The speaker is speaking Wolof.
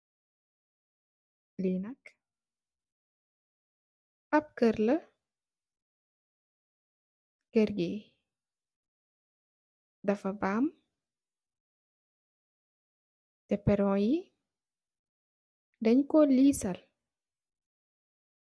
Li nak ap kér la kèr ngi nak dafa baam teh pero yi dañ ko liisal .